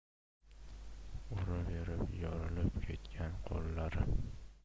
uraverib yorilib ketgan qo'llari